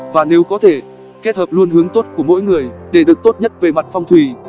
và nếu có thể kết hợp luôn hướng tốt của mỗi người để được tốt nhất về mặt phong thủy